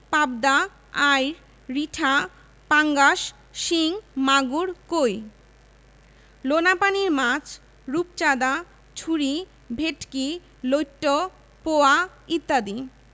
পাবদা আইড় রিঠা পাঙ্গাস শিং মাগুর কৈ লোনাপানির মাছ রূপচাঁদা ছুরি ভেটকি লইট্ট পোয়া ইত্যাদি